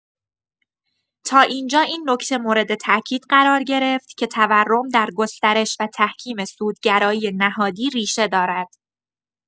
تا این‌جا این نکته مورد تاکید قرار گرفت که تورم در گسترش و تحکیم سودگرایی نهادی ریشه دارد.